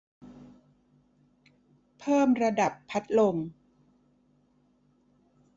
เพิ่มระดับพัดลม